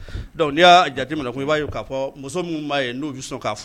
Donc ni ya jateminɛ kun, i ba ye ka fɔ muso mun ma ye nu bi sɔn ka fɔ